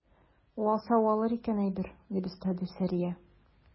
Уалса уалыр икән әйбер, - дип өстәде Сәрия.